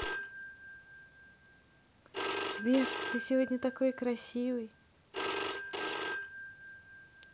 сбер ты сегодня такой красивый